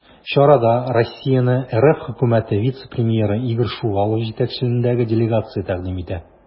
Чарада Россияне РФ Хөкүмәте вице-премьеры Игорь Шувалов җитәкчелегендәге делегация тәкъдим итә.